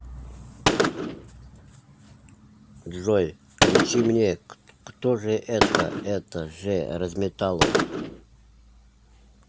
джой включи мне кто же это это же разметало